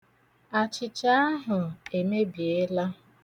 Achịcha ahụ emebiela.